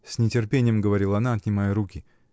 — с нетерпением говорила она, отнимая руки.